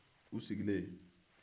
u sigilen